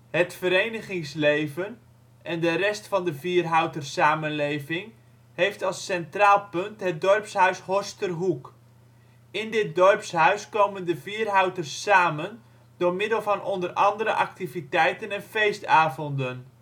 Het verenigingsleven en de rest van de Vierhouter samenleving heeft als centraal punt het dorpshuis Horsterhoek. In dit dorpshuis komen de Vierhouters samen door middel van onder andere activiteiten en feestavonden